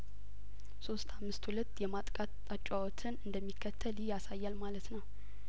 ሶስት አምስት ሁለት የማጥቃት አጨዋወትን እንደሚከተል ይህ ያሳያል ማለት ነው